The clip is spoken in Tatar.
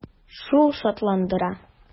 Шул шатландыра.